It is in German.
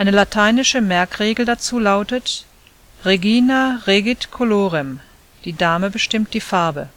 lateinische Merkregel dazu lautet: Regina regit colorem, die Dame bestimmt die Farbe